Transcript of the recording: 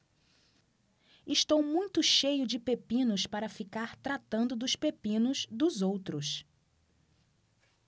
estou muito cheio de pepinos para ficar tratando dos pepinos dos outros